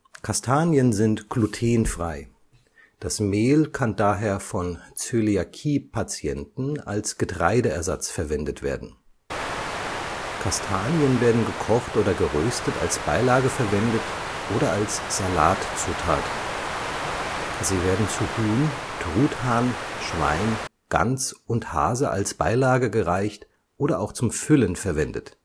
Kastanien sind glutenfrei, das Mehl kann daher von Zöliakie-Patienten als Getreide-Ersatz verwendet werden. Kastanien werden gekocht oder geröstet als Beilage verwendet oder als Salatzutat. Sie werden zu Huhn, Truthahn, Schwein, Gans und Hase als Beilage gereicht oder auch zum Füllen verwendet